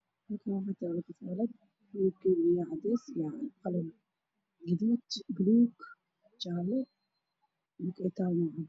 Halkaan waxaa taalo khasaalad midabkeedu uu yahay cadeys, qalin, gaduud, buluug iyo jaale, dhulka ay taalo waa cadeys.